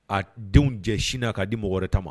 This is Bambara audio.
A denw jɛ sin k'a di mɔgɔ wɛrɛ de ta ma